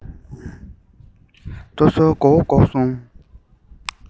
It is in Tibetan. གཏོར ཟོར མགོ བོ བཀོག སོང